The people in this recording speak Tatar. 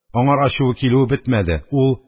Аңар ачуы килүе бетмәде – ул